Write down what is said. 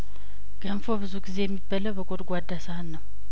ገንፎ ብዙ ጊዜ የሚበላው በጐድጓዳ ሳህን ነው